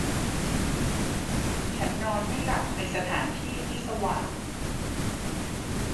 ฉันนอนไม่หลับในสถานที่ที่สว่าง